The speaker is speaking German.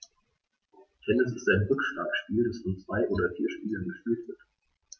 Tennis ist ein Rückschlagspiel, das von zwei oder vier Spielern gespielt wird.